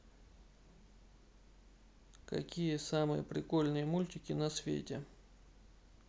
какие самые прикольные мультики на свете